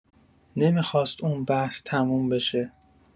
نمی‌خواست اون بحث تموم بشه